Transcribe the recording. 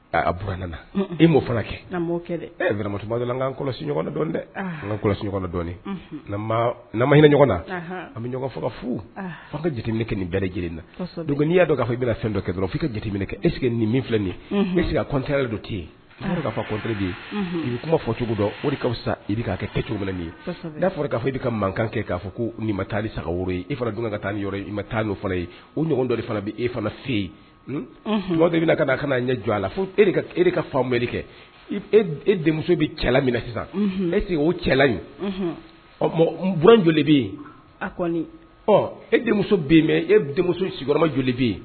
A b e m'o fana kɛma n kɔlɔsi dɛ n kɔlɔsi hinɛ ɲɔgɔn na an bɛ ɲɔgɔn fo fo ka jateminɛ kɛ nin bɛɛ lajɛlen na n' y'a dɔn'a i bɛna fɛn kɛ dɔrɔn fo' ka jatediminɛ kɛ eseke nin min filɛ nin e ka kɔn dɔ tɛ yen fɔ bɛ i bɛ kuma fɔcogo dɔnkaw sa i bɛ kɛcogo nin ye'a fɔra k'a fɔ i bɛ ka makan kɛ k'a fɔ ko nin taa saga i fana dun ka taa ni i taa ye o ɲɔgɔn dɔ de fana bɛ e fana fɛ yen wa bɛna ka kaa ɲɛ jɔ a la fo e ka fa wele kɛ e denmuso bɛ cɛla minɛ na sisan ese o cɛla in ɔ bɛ yen e denmuso bɛ e denmuso sigiyɔrɔma joli bɛ yen